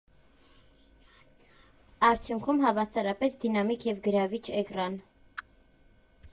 Արդյունքում՝ հավասարապես դինամիկ և գրավիչ էկրան։